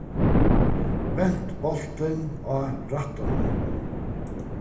vend bóltin á rættuna